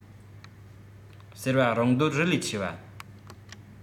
ཟེར བ རང འདོད རི ལས ཆེ བ